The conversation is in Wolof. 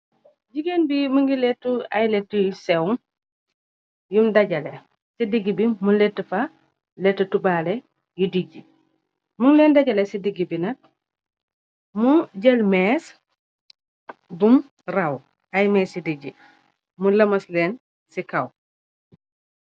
Gigain bi mingi letu ay letu yu sehw yum dajaleh, ci digi bi mu lett fa lett tubaale yu diji, mung lehn dajaleh ci digi bi nak, mu jel meeche buum rahww, ay meeche yu diji mu lohmass lehn ci kaw.